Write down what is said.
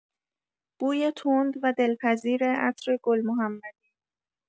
بوی تند و دلپذیر عطر گل‌محمدی